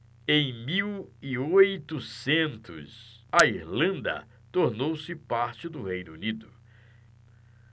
em mil e oitocentos a irlanda tornou-se parte do reino unido